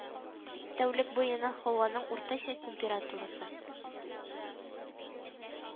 Тәүлек буена һаваның уртача температурасы